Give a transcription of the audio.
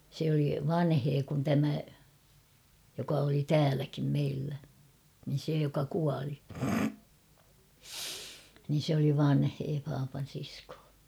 se oli vanhempi kuin tämä joka oli täälläkin meillä niin se joka kuoli niin se oli vanhempi papan sisko ja ja ja